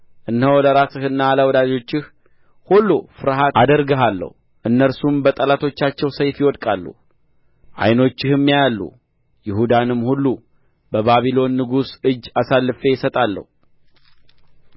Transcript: እነሆ ለራስህና ለወዳጆችህ ሁሉ ፍርሃት አደርግሃለሁ እነርሱም በጠላቶቻቸው ሰይፍ ይወድቃሉ ዓይኖችህም ያያሉ ይሁዳንም ሁሉ በባቢሎን ንጉሥ እጅ አሳልፌ እሰጣለሁ